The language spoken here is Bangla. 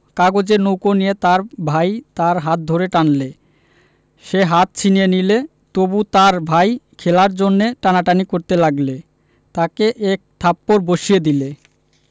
কাগজের নৌকো নিয়ে তার ভাই তার হাত ধরে টানলে সে হাত ছিনিয়ে নিলে তবু তার ভাই খেলার জন্যে টানাটানি করতে লাগলে তাকে এক থাপ্পড় বসিয়ে দিলে